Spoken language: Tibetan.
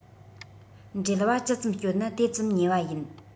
འབྲེལ བ ཇི ཙམ བསྐྱོད ན དེ ཙམ ཉེ བ ཡིན